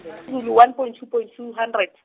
one point two point two hundrend.